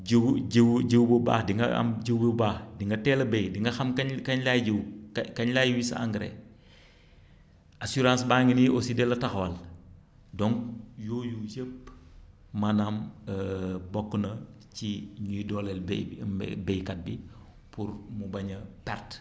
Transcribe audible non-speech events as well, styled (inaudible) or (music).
jiwu jiwu jiwu bu baax di nga am jiwu bu baax di nga teel a bay di nga xam kañ kañ laay jiwu kañ kañ laay wis engrais (inhales) assuarance baa ngi nii aussi di la taxawal donc yooyu yépp maanaam (hesitation) bokk na ci yuy dooleel bay bi mbay baykat bi pour mu bañ a perte